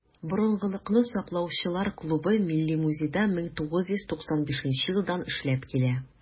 "борынгылыкны саклаучылар" клубы милли музейда 1995 елдан эшләп килә.